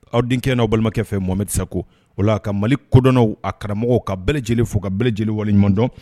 Aw denkɛ kɛ n'aw balimakɛ fɛ Mohamɛdi Sako, o la ka Mali kodɔnnaw a karamɔgɔw ka bɛɛ lajɛlen fo ka bɛɛ lajɛlen waleɲumandɔn